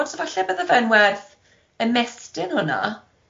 So falle bydde fe'n werth ymestyn hwnna.